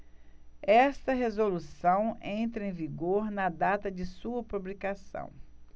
esta resolução entra em vigor na data de sua publicação